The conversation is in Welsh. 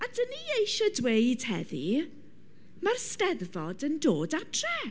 A dan ni eisiau dweud heddi, mae'r Steddfod yn dod adre.